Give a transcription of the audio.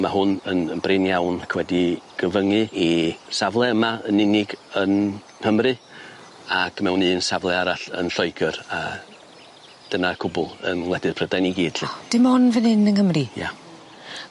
Ma' hwn yn yn brin iawn ac wedi gyfyngu i safle yma yn unig yn Nghymru ag mewn un safle arall yn Lloegyr a dyna'r cwbl yn wledydd Prydain i gyd 'lly. Waw. Dim on' fan 'yn yng Nghymru? Ia.